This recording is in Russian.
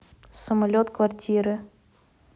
самолет квартиры